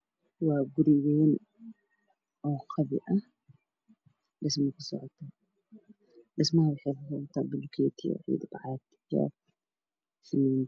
Waa guri wayn oo qabyo ah dhismo ku socoto waxaa agyaalo bulukeeti iyo carro.